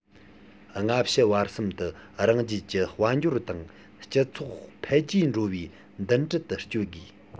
སྔ ཕྱི བར གསུམ དུ རང རྒྱལ གྱི དཔལ འབྱོར དང སྤྱི ཚོགས འཕེལ རྒྱས འགྲོ བའི མདུན གྲལ དུ བསྐྱོད དགོས